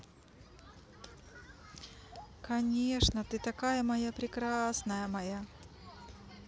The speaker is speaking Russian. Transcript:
конечно ты такая моя прекрасная моя